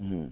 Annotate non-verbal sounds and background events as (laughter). (hesitation) (hesitation)